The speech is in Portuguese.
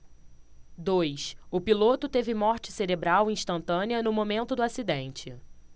dois o piloto teve morte cerebral instantânea no momento do acidente